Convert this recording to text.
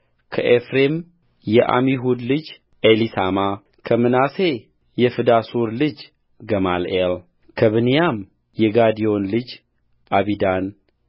ከኤፍሬም የዓሚሁድ ልጅ ኤሊሳማ ከምናሴ የፍዳሱ ልጅ ገማልኤልከብንያም የጋዴዮን ልጅ አቢዳን